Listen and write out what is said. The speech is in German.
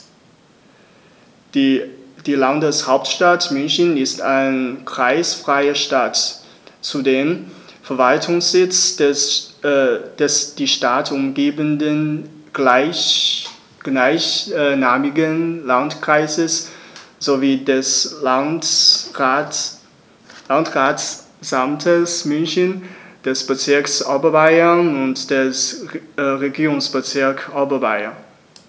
Die Landeshauptstadt München ist eine kreisfreie Stadt, zudem Verwaltungssitz des die Stadt umgebenden gleichnamigen Landkreises sowie des Landratsamtes München, des Bezirks Oberbayern und des Regierungsbezirks Oberbayern.